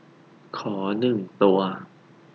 ขอหนึ่งตัว